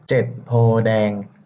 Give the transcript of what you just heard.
เจ็ดโพธิ์แดง